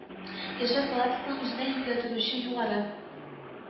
Яшьләр палатасының үзенә йөкләтелүче югары